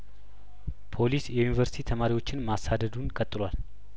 ፖሊስ የዩኒቨርስቲ ተማሪዎችን ማሳደዱን ቀጥሏል